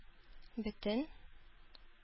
Бөтен